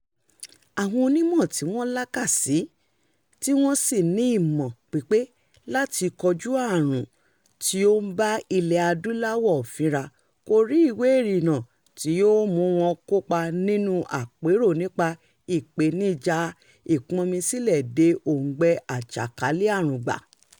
Àwọn onímọ̀ tí wọ́n lakakì tí wọ́n sì ní ìmọ̀ pípé láti kojúu àrùn tí ó ń bá ilẹ̀ adúláwọ̀ fínra, kò rí ìwé ìrìnnà tí yóò mú wọn kópa nínúu àpérò nípa “ìpèníjà ìpọnmisílẹ̀-de-oǹgbẹ àjàkálẹ̀ àrùn” gbà.